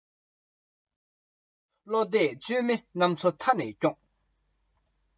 བློ གཏད བཅོལ མི རྣམས ཚོ མཐའ ནས སྐྱོངས